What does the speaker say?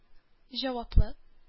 Җаваплы